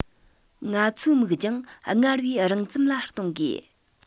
ང ཚོའི མིག རྒྱང སྔར བས རིང ཙམ ལ གཏོང དགོས